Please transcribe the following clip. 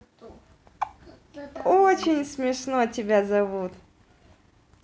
очень смешно тебя зовут